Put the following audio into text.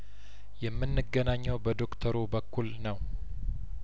የምን ገናኘው በዶክተሩ በኩል ነው